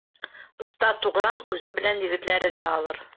Оста Тугран үзе белән егетләрен дә алыр.